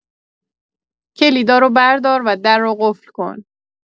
کلیدا رو بردار و در رو قفل کن